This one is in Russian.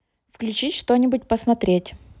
включи что нибудь посмотреть